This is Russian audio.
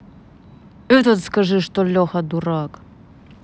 этот скажи что леха дурак